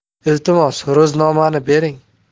iltimos ro'znomani bering